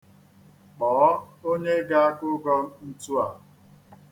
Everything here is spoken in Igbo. Kpọọ onye ga-akụgọ ntu a.